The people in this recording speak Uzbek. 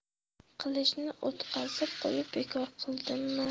qilichni o'tqazib qo'yib bekor qildimmi